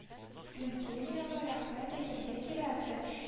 Тринкьерига рәхмәт әйтергә кирәктер